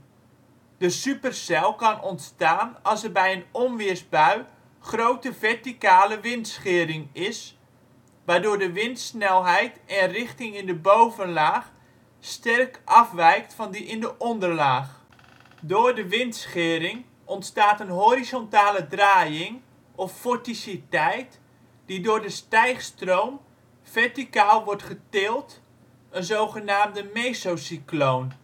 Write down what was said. De supercel kan ontstaan als er bij een onweersbui grote verticale windschering is, waardoor de windsnelheid en - richting in de bovenlaag sterk afwijkt van die in de onderlaag. Door de windschering ontstaat een horizontale draaiing of vorticteit die door de stijgstroom verticaal wordt getild, een zogenaamde mesocycloon